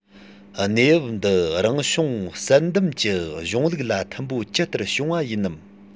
གནས བབ འདི རང བྱུང བསལ འདེམས ཀྱི གཞུང ལུགས ལ མཐུན པོ ཇི ལྟར བྱུང བ ཡིན ནམ